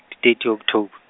di thirty October.